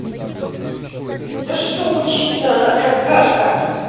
да что учиться она какашка